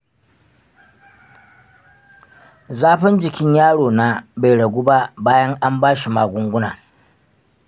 zafin jikin yaro na bai ragu ba bayan an ba shi magunguna.